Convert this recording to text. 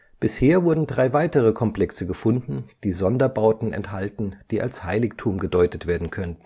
Bisher wurden drei weitere Komplexe gefunden, die Sonderbauten enthalten, die als Heiligtum gedeutet werden können